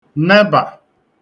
nebà